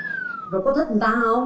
rồi có thích người ta không